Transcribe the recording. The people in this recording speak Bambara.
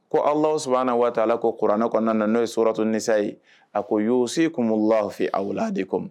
Ko aw sabanan waati ko kuranɛ kɔnɔna n'o ye sɔrɔraton nisa ye a ko y'si kun aw fɛ aw la de kɔ